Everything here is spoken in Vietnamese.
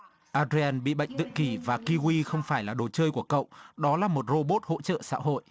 a ri an bị bệnh tự kỉ và ki guy không phải là đồ chơi của cậu đó là một rô bốt hỗ trợ xã hội